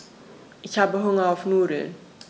Ich habe Hunger auf Nudeln.